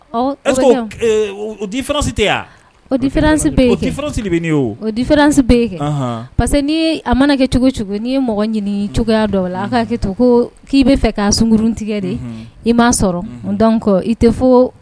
Yen parce que n' a mana kɛ cogo cogo n'i ye mɔgɔ ɲini cogoyaya dɔw la a k' to ko k'i bɛ fɛ ka sunkuruurun tigɛ de i m' sɔrɔ kɔ i tɛ fo